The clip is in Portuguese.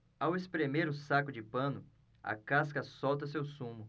ao espremer o saco de pano a casca solta seu sumo